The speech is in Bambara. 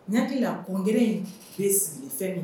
Ɲa hakilila ko g in bɛ sigi fɛn min